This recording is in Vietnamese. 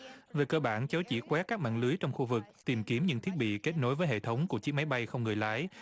về cơ bản cháu chỉ quét các mạng lưới trong khu vực tìm kiếm những thiết bị kết nối với hệ thống của chiếc máy bay không người lái